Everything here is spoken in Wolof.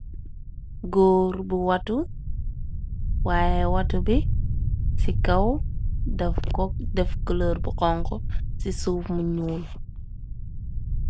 Góor bu watu waiy watu bi ci kaw def ko def cohlurr bu xonxo ci suuf mu nuul.